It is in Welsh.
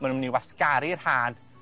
ma' nw'n myn' i wasgaru'r had